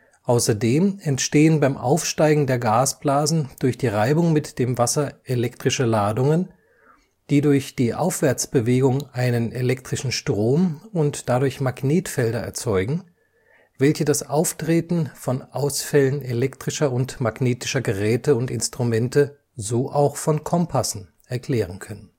Außerdem entstehen beim Aufsteigen der Gasblasen durch die Reibung mit dem Wasser elektrische Ladungen, die durch die Aufwärtsbewegung einen elektrischen Strom und dadurch Magnetfelder erzeugen, welche das Auftreten von Ausfällen elektrischer und magnetischer Geräte und Instrumente, so auch von Kompassen, erklären können